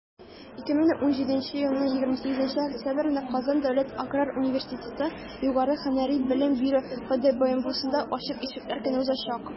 2017 елның 28 октябрендә «казан дәүләт аграр университеты» югары һөнәри белем бирү фдбмусендә ачык ишекләр көне узачак.